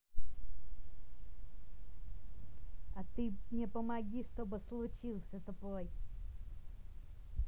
а ты мне помоги чтобы случился тупой